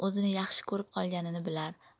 o'zini yaxshi ko'rib qolganini bilar